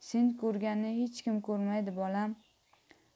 sen ko'rganni hech kim ko'rmaydi bolam